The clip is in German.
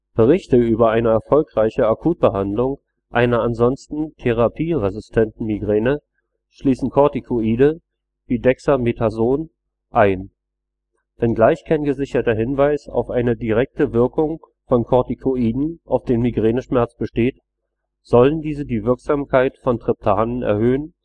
Berichte über eine erfolgreiche Akutbehandlung einer ansonsten therapieresistenten Migräne schließen Kortikoide, wie Dexamethason, ein. Wenngleich kein gesicherter Hinweis auf eine direkte Wirkung von Kortikoiden auf den Migräneschmerz besteht, sollen diese die Wirksamkeit von Triptanen erhöhen